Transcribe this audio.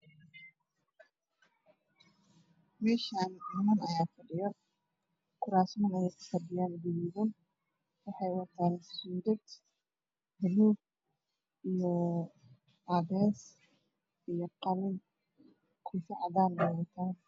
Meeshan niman ayaa fadhiyo waxay ku fadhiyaan kurasman guddoodaan waxay wataan suudaan caddaan madow